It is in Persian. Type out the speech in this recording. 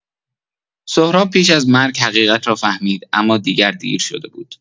سهراب پیش از مرگ حقیقت را فهمید اما دیگر دیر شده بود.